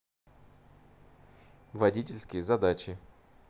водительские задачи